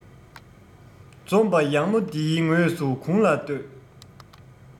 འཛོམས པ ཡག མོ འདིའི ངོ སོ དགུང ལ བསྟོད